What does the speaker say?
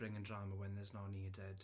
Bringing drama when there's no needed.